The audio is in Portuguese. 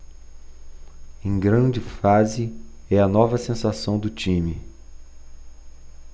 em grande fase é a nova sensação do time